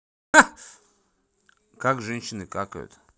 как женщины какают